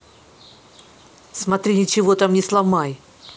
смотри ничего там не сломай